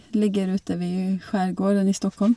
Ligger ute ved skjærgården i Stockholm.